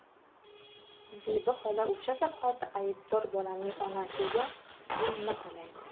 zebi xola o'sha zahoti aybdor bolaning onasini yumma talaydi